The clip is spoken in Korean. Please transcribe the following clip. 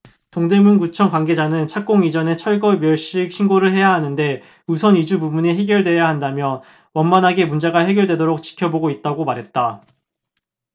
동대문구청 관계자는 착공 이전에 철거 멸실 신고를 해야 하는데 우선 이주 부분이 해결돼야 한다며 원만하게 문제가 해결되도록 지켜보고 있다고 말했다